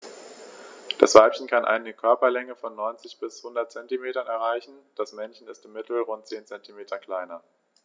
Das Weibchen kann eine Körperlänge von 90-100 cm erreichen; das Männchen ist im Mittel rund 10 cm kleiner.